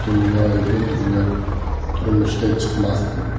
u dunyo bu dunyo turmushga chiqmasdim